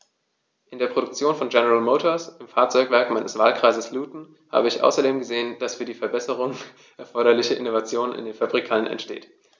In der Produktion von General Motors, im Fahrzeugwerk meines Wahlkreises Luton, habe ich außerdem gesehen, dass die für Verbesserungen erforderliche Innovation in den Fabrikhallen entsteht.